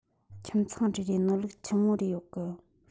ཁྱིམ ཚང རེ རེ ནོར ལུག ཆི མོ རེ ཡོད གི